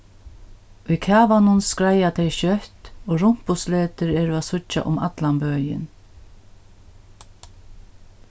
í kavanum skreiða tey skjótt og rumpusletur eru at síggja um allan bøin